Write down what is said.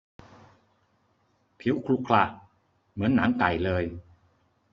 ผิวขรุขระเหมือนหนังไก่เลย